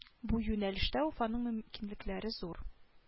Бу юнәлештә уфаның мөмкинлекләре зур